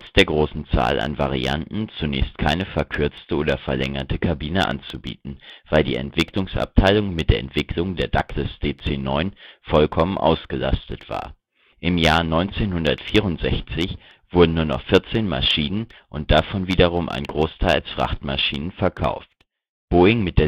großen Zahl an Varianten zunächst keine verkürzte oder verlängerte Kabine anzubieten, weil die Entwicklungsabteilung mit der Entwicklung der Douglas DC-9 vollkommen ausgelastet war. Im Jahr 1964 wurden nur noch 14 Maschinen und davon wiederum ein Großteil als Frachtmaschinen verkauft. Boeing mit